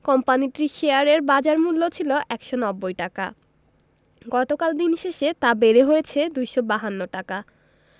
কোম্পানিটির শেয়ারের বাজারমূল্য ছিল ১৯০ টাকা গতকাল দিন শেষে তা বেড়ে হয়েছে ২৫২ টাকা